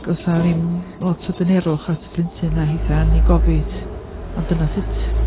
Does 'na ddim lot o dynerwch at y plentyn a hithau yn ei gofid, ond dyna sut...